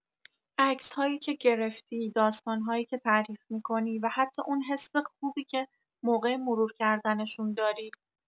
عکس‌هایی که گرفتی، داستان‌هایی که تعریف می‌کنی، و حتی اون حس خوبی که موقع مرور کردنشون داری.